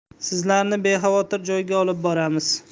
sizlarni bexavotir joyga olib boramiz